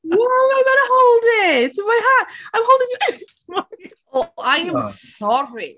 Well how am I meant to hold it? With my ha-... I'm holding it... Well, I am sorry!